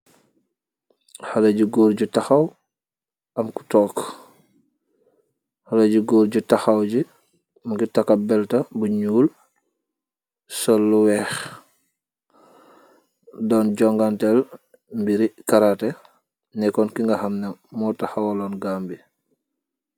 Haleh ju gorre ju takhaw, am ku tok, haleh ju gorre ju takhaw gii mungy tahkah belta bu njull sol lu wekh, don jongantel mbiri karateh nekon ki nga hamneh mor takhawlon gambie.